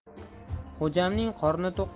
xo'jamning qorni to'q